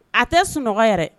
A tɛ sunɔgɔ yɛrɛ